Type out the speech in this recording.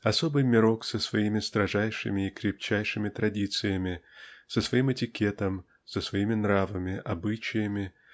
особый мирок со своими строжайшими и крепчайшими традициями с своим этикетом с своими нравами обычаями